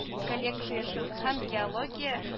Коллекциясен һәм геология